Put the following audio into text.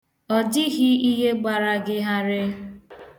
Ọ dịghị ihe gbara gị gharịị.